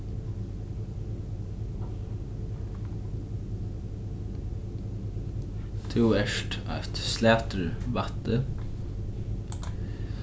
tú ert eitt slatrivætti